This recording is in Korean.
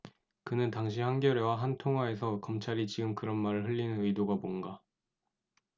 그는 당시 한겨레 와 한 통화에서 검찰이 지금 그런 말을 흘리는 의도가 뭔가